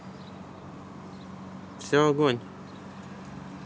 все огонь